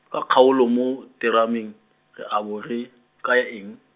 ka kgaolo mo, terameng, re a bo re, kaya eng?